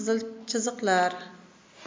qizil chiziqlar